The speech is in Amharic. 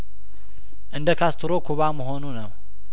እንደ ካስትሮ ኩባ መሆኑ ነው